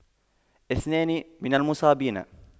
اثنان من المصابين